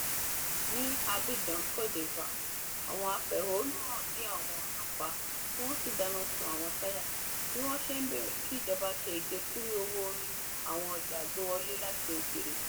Ní Abidjan, Cote d'Ivoire, àwọn afẹ̀hónúhàn dí àwọn ọ̀nà pa tí wọ́n sì dáná sun àwọn táyà, bí wọ́n ṣe ń bèèrè kí ìjọba ṣe ìgékúrú owó-orí àwọn ọjà àgbéwọlé láti òkèèrè.